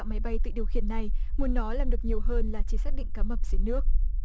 máy bay tự điều khiển này muốn nó làm được nhiều hơn là chỉ xác định cá mập dưới nước